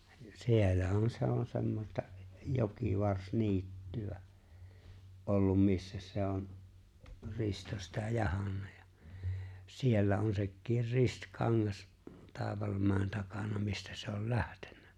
siellähän se on semmoista jokivarsiniittyä ollut missä se on Risto sitä jahdannut ja ja siellä on sekin Ristikangas Taivalmäen takana mistä se oli lähtenyt